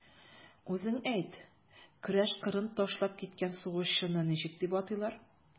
Үзең әйт, көрәш кырын ташлап киткән сугышчыны ничек дип атыйлар?